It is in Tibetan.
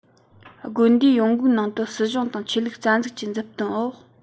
དགོན སྡེའི ཡོང སྒོའི ནང དུ སྲིད གཞུང དང ཆོས ལུགས རྩ འཛུགས ཀྱི མཛུབ སྟོན འོག